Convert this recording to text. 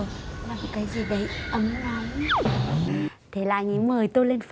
là một cái gì đấy ấm nóng thế là anh ấy mời tôi lên phòng